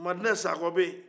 madina sakɔ bɛ yen